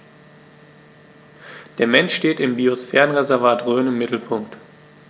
Der Mensch steht im Biosphärenreservat Rhön im Mittelpunkt.